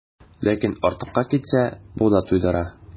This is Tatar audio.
Ләкин артыкка китсә, бу да туйдыра.